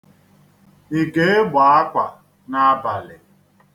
Ị ga-egbo akwa n'abalị?